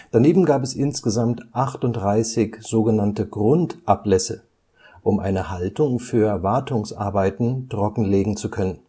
Daneben gab es insgesamt 38 sogenannte Grundablässe, um eine Haltung für Wartungsarbeiten trockenlegen zu können